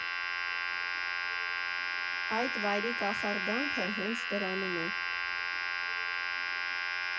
Այդ վայրի կախարդանքը հենց դրանում է.